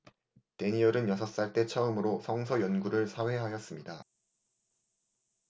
대니얼은 여섯 살 때 처음으로 성서 연구를 사회하였습니다